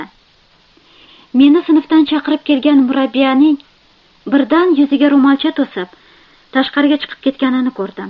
meni sinfdan chaqirib kelgan murabbiyaning birdan yuziga ro'molcha to'sib tashqariga chiqib ketganini ko'rdim